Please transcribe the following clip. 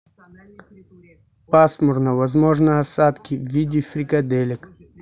пасмурно возможны осадки в виде фрикаделек